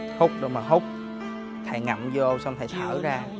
hút đâu mà hút thầy ngậm dô xong thầy thở ra